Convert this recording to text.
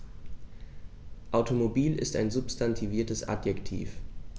Automobil ist ein substantiviertes Adjektiv.